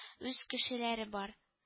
Үз кешеләре бар